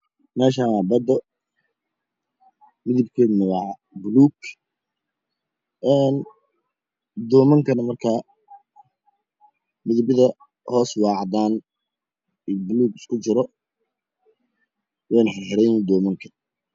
Meeshan waa badda midabkeedana waa buluug een doomankana marakan midabada hoos waa cadaan iyo buluug isku jiro wayna xir xiranyihiin doomanka